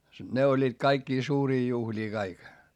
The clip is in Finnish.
ne olivat kaikkia suuria juhlia kaikki